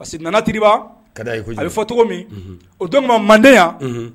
Parce que Nana Tiriba a ka d'a ye kojugu, a bɛ fɔ cogo min, unhun, o don tuma Mande yan